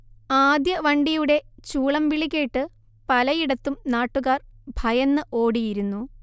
ആദ്യവണ്ടിയുടെ ചൂളം വിളികേട്ട് പലയിടത്തും നാട്ടുകാർ ഭയന്ന് ഓടിയിരുന്നു